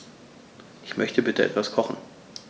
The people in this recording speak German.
Ich möchte bitte etwas kochen.